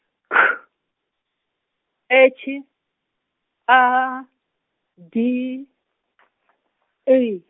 K H A D I.